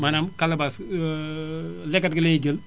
maanaam calebasse leget gi lañuy jël